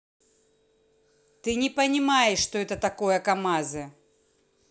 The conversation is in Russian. ты не понимаешь что это такое камазы